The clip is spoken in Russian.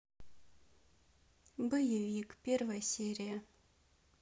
боевик первая серия